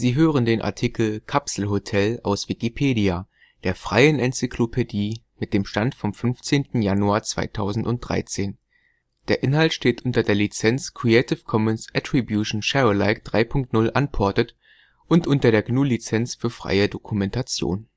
hören den Artikel Kapselhotel, aus Wikipedia, der freien Enzyklopädie. Mit dem Stand vom Der Inhalt steht unter der Lizenz Creative Commons Attribution Share Alike 3 Punkt 0 Unported und unter der GNU Lizenz für freie Dokumentation